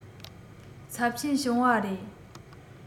ཚབས ཆེན བྱུང བ རེད